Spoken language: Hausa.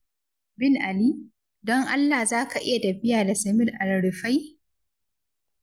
Bin Ali, don Allah za ka iya tafiya da Samir alrifai?